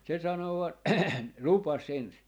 se sanoi vain lupasi ensin